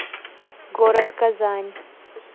город казань